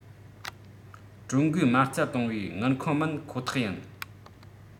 ཀྲུང གོས མ རྩ བཏང བའི དངུལ ཁང མིན ཁོ ཐག ཡིན